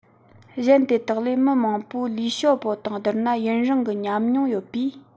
གཞན དེ དག ལས མི མང པོ ལིའུ ཞའོ པོ དང བསྡུར ན ཡུན རིང གི ཉམས མྱོང ཡོད པས